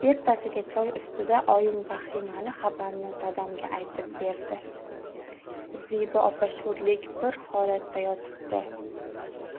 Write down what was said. ertasiga choy ustida oyim vahimali xabarni dadamga aytib berdi zebi opa sho'rlik bir holatda yotibdi